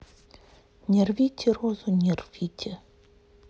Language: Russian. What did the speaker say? не рвите розу не рвите